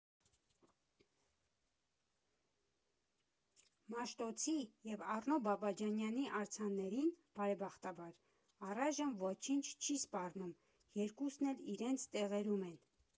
Մաշտոցի և Առնո Բաբաջանյանի արձաններին, բարեբախտաբար, առայժմ ոչինչ չի սպառնում, երկուսն էլ իրենց տեղերում են։